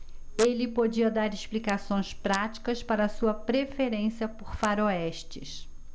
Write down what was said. ele podia dar explicações práticas para sua preferência por faroestes